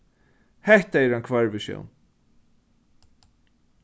hetta er ein hvørvisjón